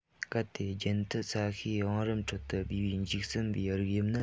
གལ ཏེ རྒྱུན མཐུད ས གཤིས བང རིམ ཁྲོད དུ སྦས པའི འཇིག ཟིན པའི རིགས དབྱིབས ནི